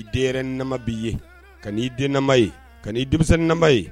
I denyɛrɛrni nama b'i ye, ka n'i den nama ye, ka n'i denmisɛni nama ye.